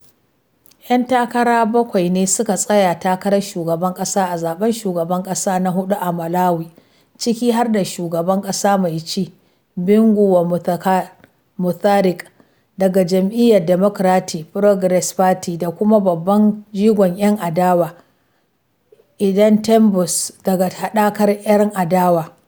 Yan takara bakwa ne suka tsaya takarar shugaban ƙasa a zaɓen shugaban ƙasa na huɗu a Malawi, ciki har da shugaban ƙasa mai ci, Bingu wa Mutharika, daga jam’iyyar Democratic Progressive Party, da kuma babban jigon 'yan adawa, John Tembo, daga haɗakar 'yan adawa.